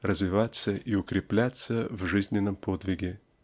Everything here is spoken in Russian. развиваться и укрепляться в жизненном подвиге.